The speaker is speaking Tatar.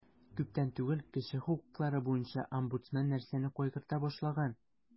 Күптән түгел кеше хокуклары буенча омбудсмен нәрсәне кайгырта башлаган?